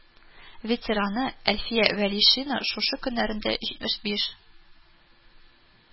Ветераны әлфия вәлишина шушы көннәрдә җитмеш биш